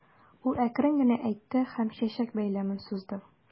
Ул әкрен генә әйтте һәм чәчәк бәйләмен сузды.